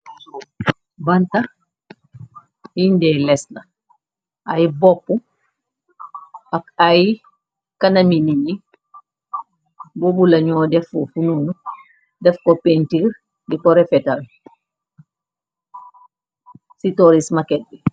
Banta yunde lees la, ay boppu ak ay kanami ninyi, bobbu lañoo def fufununu, def ko pentir di ko refetal ci toris maket bi.